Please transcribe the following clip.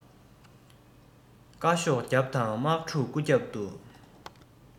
བཀའ ཤོག རྒྱབ དང དམག ཕྲུག སྐུ རྒྱབ ཏུ